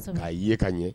Kosɛbɛ! K'a ye ka ɲɛ.